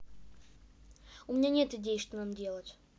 у меня нет идей что нам делать